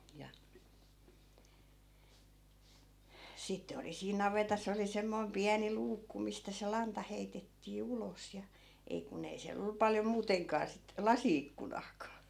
ja sitten oli siinä navetassa oli semmoinen pieni luukku mistä se lanta heitettiin ulos ja ei kun ei siellä ollut paljon muutenkaan sitten lasi-ikkunaakaan